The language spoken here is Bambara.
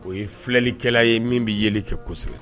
O ye filɛlikɛla ye min bɛ yeli kɛ kosɛbɛ